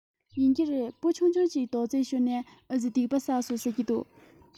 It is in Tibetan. ཡིན གྱི རེད འབུ ཆུང ཆུང ཅིག རྡོག རྫིས ཤོར ནའི ཨ རྩི སྡིག པ བསགས སོང ཟེར གྱི འདུག